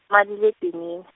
maliledinini .